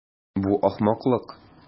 Бу ахмаклык.